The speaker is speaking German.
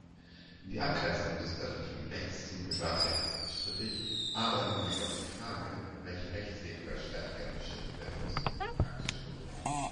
Die Abgrenzung des öffentlichen Rechts zum Privatrecht ist strittig, aber im Hinblick auf die Frage, welcher Rechtsweg bei Streitigkeiten beschritten werden muss, praktisch notwendig